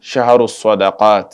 Siharowada ko